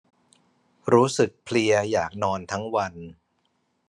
รู้สึกเพลียอยากนอนทั้งวัน